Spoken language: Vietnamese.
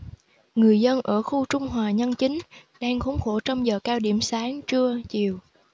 người dân ở khu trung hòa nhân chính đang khốn khổ trong giờ cao điểm sáng trưa chiều